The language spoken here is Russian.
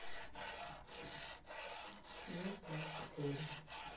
мид а четыре